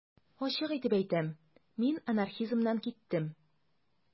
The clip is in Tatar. Ачык итеп әйтәм: мин анархизмнан киттем.